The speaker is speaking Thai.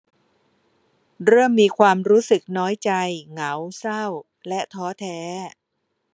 เริ่มมีความรู้สึกน้อยใจเหงาเศร้าและท้อแท้